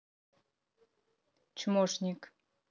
чмошник